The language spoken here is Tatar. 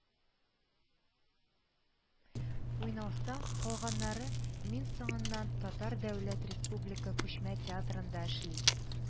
Уйналса, калганнары, мин соңыннан татар дәүләт республика күчмә театрында эшли